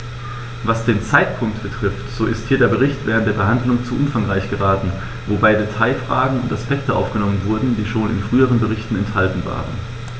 Was den Zeitpunkt betrifft, so ist hier der Bericht während der Behandlung zu umfangreich geraten, wobei Detailfragen und Aspekte aufgenommen wurden, die schon in früheren Berichten enthalten waren.